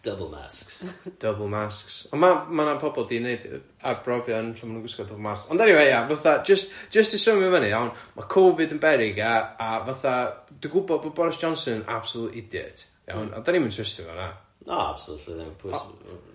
Double masks. Double masks, ond ma- ma' 'na pobol 'di 'neud yy arbrofion lle ma' nhw'n gwisgo double masks, ond eniwe ia fatha jyst jyst i symio fyny iawn ma' Covid yn beryg ia a fatha dwi'n gwbod bo' Boris Johnson yn absolute idiot, iawn, a 'dan ni'm yn trystio fo na? O absolutely ddim on-...